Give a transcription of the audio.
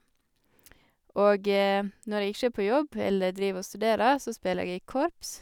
Og når jeg ikke er på jobb eller driver og studerer, så spiller jeg i korps.